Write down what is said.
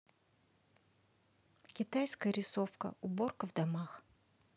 китайская рисовка уборка в домах